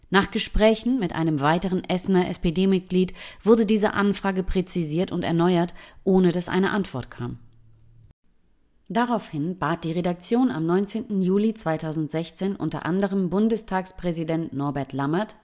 Nach Gesprächen mit einem weiteren Essener SPD-Mitglied wurde diese Anfrage präzisiert und erneuert, ohne dass eine Antwort kam. Daraufhin bat die Redaktion am 19. Juli 2016 unter anderem Bundestagspräsident Norbert Lammert